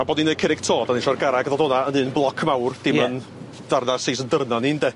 A bo' ni'n neud cerrig to, 'dan ni isio'r garreg ddod o 'na yn un bloc mawr dim yn darna seis 'yn dyrna ni nde?